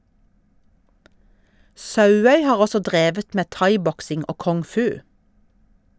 Sauøy har også drevet med thaiboksing og kung-fu.